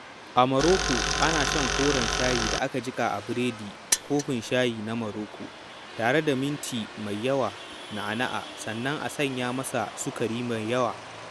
A Maroko, ana shan koren shayi da aka jiƙa a berrad (kofin shayi na Maroko) tare da minti mai yawa (na'na') sannan a sanya masa sukari mai yawa.